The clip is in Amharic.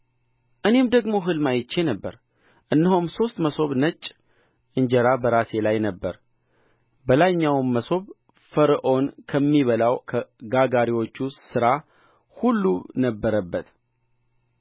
እኔም ደግሞ ሕልም አይቼ ነበር እነሆም ሦስት መሶብ ነጭ እንጀራ በራሴ ላይ ነበረ በላይኛውም መሶብ ፈርዖን ከሚበላው ከጋጋሪዎች ሥራ ሁሉ ነበረበት